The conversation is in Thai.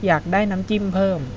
อยากได้น้ำจิ้มเพิ่ม